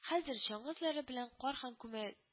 Хәзер чаңгы эзләре белән кар һәм күмәл